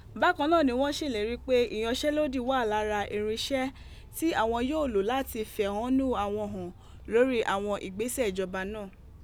Bakan naa ni wọn ṣeleri pe iyanṣẹlodi wa lara irinṣẹ ti awọn yoo lo lati fi ẹhonu awọn han lori awọn igbesẹ ijọba naa.